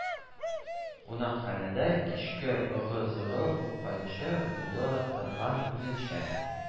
Кунакханәдә кичке ыгы-зыгы купканчы була торган үзенчә